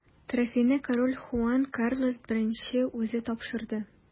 Трофейны король Хуан Карлос I үзе тапшырды.